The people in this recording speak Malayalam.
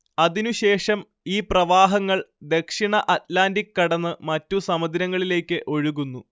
അതിനുശേഷം ഈ പ്രവാഹങ്ങൾ ദക്ഷിണ അറ്റ്‌ലാന്റിക് കടന്ന് മറ്റു സമുദ്രങ്ങളിലേക്ക് ഒഴുകുന്നു